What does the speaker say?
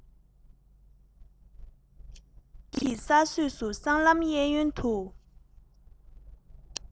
པེ ཅིན གྱི ས སྲོས སུ སྲང ལམ གཡས གཡོན དུ